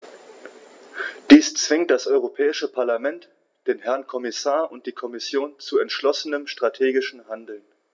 Dies zwingt das Europäische Parlament, den Herrn Kommissar und die Kommission zu entschlossenem strategischen Handeln.